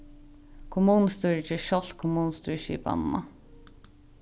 kommunustýrið ger sjálvt kommunustýrisskipanina